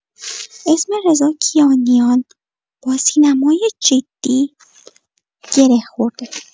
اسم رضا کیانیان با سینمای جدی گره خورده.